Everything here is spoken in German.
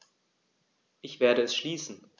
Ich werde es schließen.